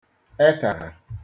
ekara